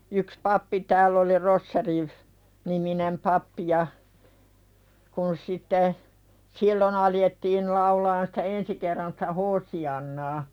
yksi pappi täällä oli Roschier niminen pappi ja kun sitten silloin alettiin laulamaan sitä ensi kerran sitä Hoosiannaa